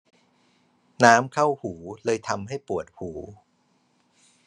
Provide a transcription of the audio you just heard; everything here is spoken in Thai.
น้ำเข้าหูเลยทำให้ปวดหู